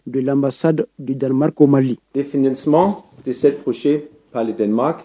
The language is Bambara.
Donlanbasa di dari ko mali fɛnɛnsi tɛ se o se'aledinma